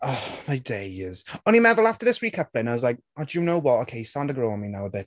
Oh, my days. O'n i'n meddwl, after this recoupling, I was like, do you know what. Ok he's starting to grow on me now a bit.